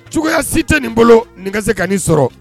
Cogoya si tɛ nin bolo nin se ka nin sɔrɔ